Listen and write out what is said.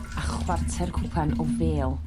a chwarter cwpan o fêl.